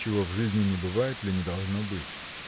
чего в жизни не бывает или не должно быть.